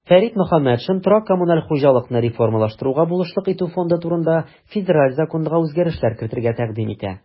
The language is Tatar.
Фәрит Мөхәммәтшин "ТКҖ реформалаштыруга булышлык итү фонды турында" Федераль законга үзгәрешләр кертергә тәкъдим итә.